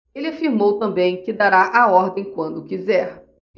ele afirmou também que dará a ordem quando quiser